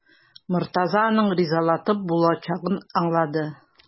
Мортаза аны ризалатып булачагын аңлады.